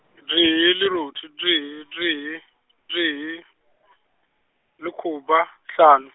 tee, lerothi tee, tee, tee , lekgopa, hlano.